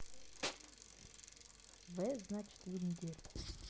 в значит вендетта